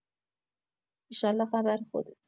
ایشالله خبر خودت